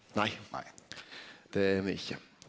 nei det er me ikkje.